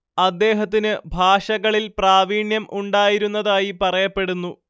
അദ്ദേഹത്തിന് ഭാഷകളിൽ പ്രാവീണ്യം ഉണ്ടായിരുന്നതായി പറയപ്പെടുന്നു